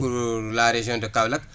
pour la région de Kaolack